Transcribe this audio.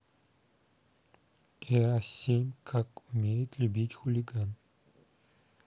еа семь как умеет любить хулиган